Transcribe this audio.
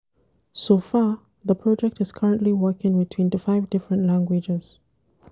So far, the project is currently working with 25 different languages.